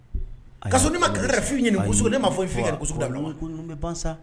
A ka so ne ma kɛlɛ ka fi ɲini ne maa fɔ